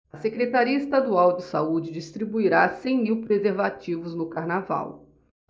a secretaria estadual de saúde distribuirá cem mil preservativos no carnaval